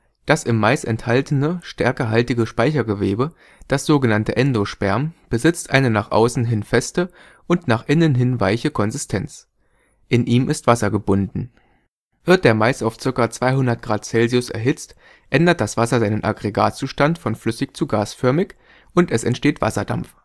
Das im Mais enthaltene stärkehaltige Speichergewebe, das sogenannte Endosperm, besitzt eine nach außen hin feste und nach innen hin weiche Konsistenz. In ihm ist Wasser gebunden. Wird der Mais auf ca. 200 °C erhitzt, ändert das Wasser seinen Aggregatzustand von flüssig zu gasförmig und es entsteht Wasserdampf